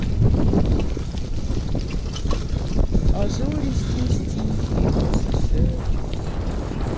а зори здесь тихие ссср